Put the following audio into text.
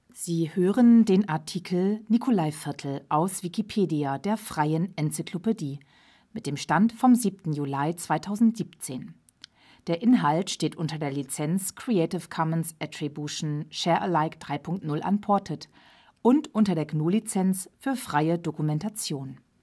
Sie hören den Artikel Nikolaiviertel, aus Wikipedia, der freien Enzyklopädie. Mit dem Stand vom Der Inhalt steht unter der Lizenz Creative Commons Attribution Share Alike 3 Punkt 0 Unported und unter der GNU Lizenz für freie Dokumentation